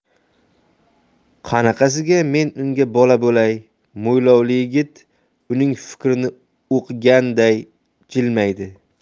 qanaqasiga men unga bola bo'lay mo'ylovli yigit uning fikrini o'qiganday jilmaydi